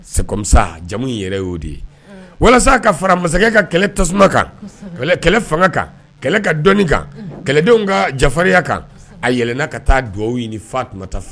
C'est comme ça jamu in yɛrɛ y'o de ye, unhun, walasa a ka fara masakɛ ka kɛlɛ tasuma kan, kosɛbɛ, kɛlɛ kɛlɛ fanga kan, kɛlɛ ka dɔnni, kan kɛlɛdenw ka jafarinya kan, a yɛlɛnna ka taa dugawi ɲini Fatumata fɛ